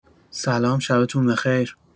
سلام شبتون بخیر